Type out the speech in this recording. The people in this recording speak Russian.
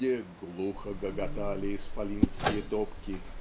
где "глухо гоготали исполинские топки